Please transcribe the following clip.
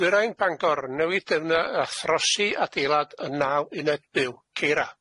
Dwyrain Bangor, newid defnydd a throsi adeilad y naw uned byw, Ceira.